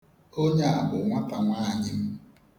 Onye a bụ nwatanwaanyị m.